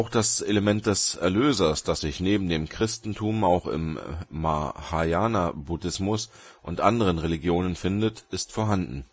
das Element des Erlösers, das sich neben dem Christentum auch im Mahayana Buddhismus und anderen Religionen findet, ist vorhanden